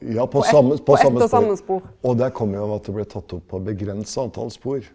ja på samme på samme spor, og det kommer av at det ble tatt opp på begrensa antall spor.